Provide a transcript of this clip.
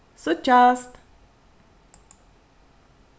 síggjast